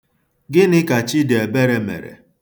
Gịnị ka Chidịebere mere?